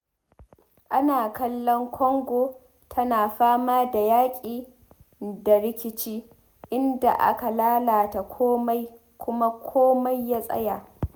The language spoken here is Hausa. Ana kallon Congo tana fama da yaƙi da rikici, inda aka lalata komai kuma komai ya tsaya